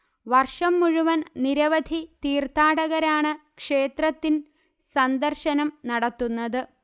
വർഷം മുഴുവൻ നിരവധി തീർത്ഥാടകരാണ് ക്ഷേത്രത്തിൻ സന്ദർശനം നടത്തുന്നത്